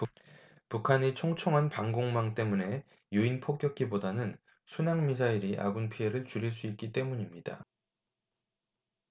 북한의 촘촘한 방공망 때문에 유인 폭격기보다는 순항미사일이 아군 피해를 줄일 수 있기 때문입니다